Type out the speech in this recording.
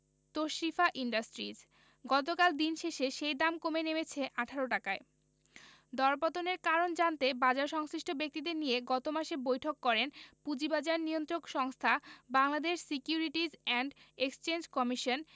Tashrifa industries গতকাল দিন শেষে সেই দাম কমে নেমে এসেছে ১৮ টাকায় দরপতনের কারণ জানতে বাজারসংশ্লিষ্ট ব্যক্তিদের নিয়ে গত মাসে বৈঠক করেন পুঁজিবাজার নিয়ন্ত্রক সংস্থা Bangladesh securities and exchange commission